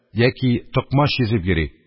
Яки токмач йөзеп йөри!